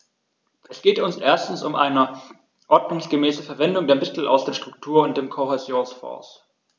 Es geht uns erstens um eine ordnungsgemäße Verwendung der Mittel aus den Struktur- und dem Kohäsionsfonds.